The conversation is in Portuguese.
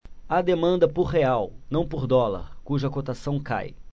há demanda por real não por dólar cuja cotação cai